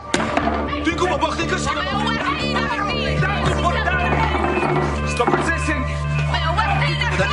Dwi'n gwbod bo chdi'n cusanu fo. Stop resisting! Mae o wedi...